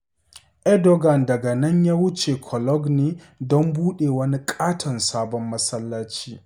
Erdogan daga nan ya wuce Cologne don buɗe wani ƙaton sabon masallaci.